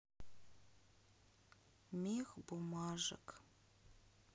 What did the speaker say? мех бумажек